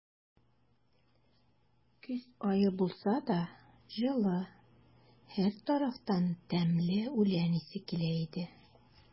Көз ае булса да, җылы; һәр тарафтан тәмле үлән исе килә иде.